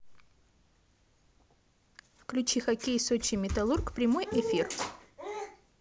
включи хоккей сочи металлург прямой эфир